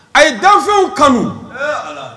A ye danfɛnw kanu